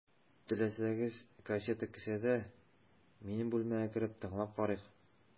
Теләсәгез, кассета кесәдә, минем бүлмәгә кереп, тыңлап карыйк.